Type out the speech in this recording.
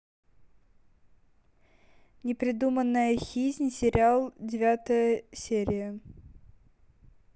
непридуманная хизнь сериал девятая серия